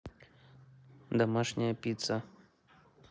домашняя пицца